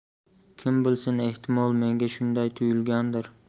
kim bilsin ehtimol menga shunday tuyulgandir